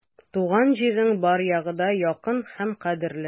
Туган җирнең бар ягы да якын һәм кадерле.